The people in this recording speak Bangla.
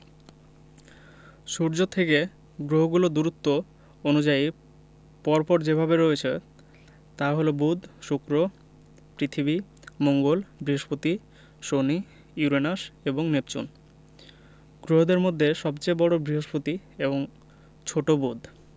সূর্য থেকে গ্রহগুলো দূরত্ব অনুযায়ী পর পর যেভাবে রয়েছে তা হলো বুধ শুক্র পৃথিবী মঙ্গল বৃহস্পতি শনি ইউরেনাস এবং নেপচুন গ্রহদের মধ্যে সবচেয়ে বড় বৃহস্পতি এবং ছোট বুধ